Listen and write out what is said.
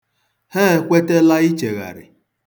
Ha ekwetela ichegharị